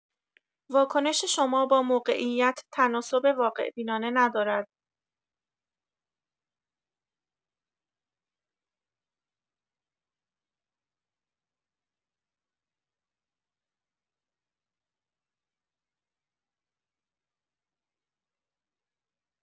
واکنش شما با موقعیت تناسب واقع‌بینانه ندارد.